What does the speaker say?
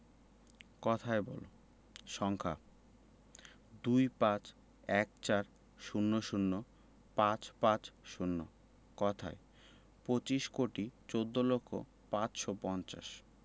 কথায় বলঃ সংখ্যাঃ ২৫ ১৪ ০০ ৫৫০ কথায়ঃ পঁচিশ কোটি চৌদ্দ লক্ষ পাঁচশো পঞ্চাশ